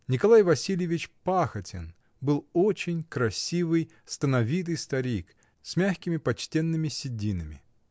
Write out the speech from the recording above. Николай Васильевич Пахотин был очень красивый, сановитый старик, с мягкими, почтенными сединами.